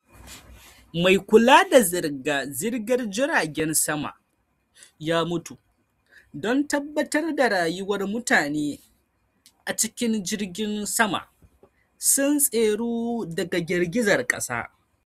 Mai kula da zirga-zirgar jiragen sama ya mutu don tabbatar da rayuwar mutane a cikin jirgin sama sun tseru daga girgizar kasa